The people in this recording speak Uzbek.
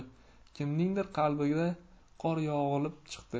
kimningdir qalbiga qor yog'ilib chiqdi